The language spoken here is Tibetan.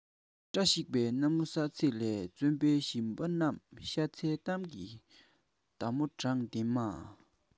བཀྲ ཤིས པའི གནམ ལོ གསར ཚེས ལས ལ བརྩོན པའི ཞིང པ རྣམས ཤ ཚའི གཏམ གྱི མདའ མོ དྲང བདེན མ